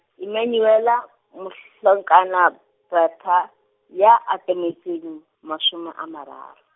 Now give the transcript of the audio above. Emmanuele, mohlankana, Bertha, ya atametseng, mashome a mararo.